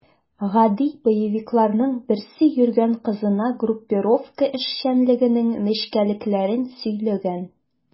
Гади боевикларның берсе йөргән кызына группировка эшчәнлегенең нечкәлекләрен сөйләгән.